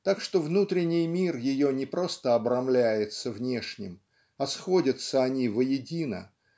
так что внутренний мир ее не просто обрамляется внешним а сходятся они воедино